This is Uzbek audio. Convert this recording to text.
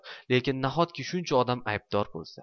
lekin nahotki shuncha odam aybdor bo'lsa